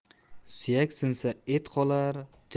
suyak sinsa et qolar